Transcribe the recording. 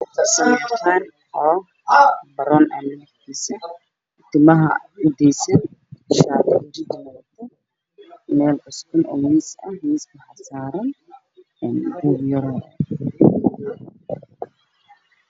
Waa farsamayaqaan oo baroon ah midabkiisu timaha ay u daysan yihiin shaati wato miiska waxaa saaran buug yar.